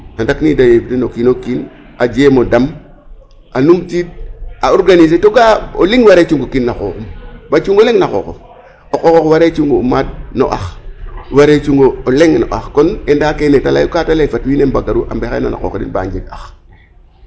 A ndakniid a den o kiin o kiin a jem o dam a numtiid a organiser to ga o leŋ waree cung o kiin no xooxum ba cungo leŋ no xooxof o qooxoox waree cung maat no ax waree cungo leŋ no ax kon ndaa kene ta layu ka ta lay ee fat wiin we mbagaru a mbexeyan a qoox den ba njeg ax.